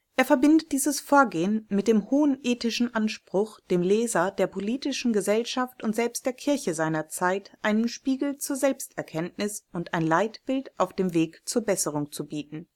Er verbindet dieses Vorgehen mit dem hohen ethischen Anspruch, dem Leser, der politischen Gesellschaft und selbst der Kirche seiner Zeit einen Spiegel zur Selbsterkenntnis und ein Leitbild auf dem Weg zur Besserung zu bieten